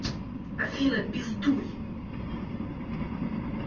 афина пиздуй